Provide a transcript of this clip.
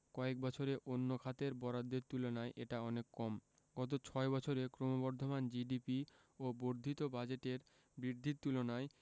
কয়েক বছরে অন্য খাতের বরাদ্দের তুলনায় এটা অনেক কম গত ছয় বছরে ক্রমবর্ধমান জিডিপি ও বর্ধিত বাজেটের বৃদ্ধির তুলনায়